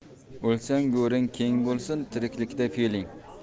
o'lsang go'ring keng bo'lsin tiriklikda fe'ling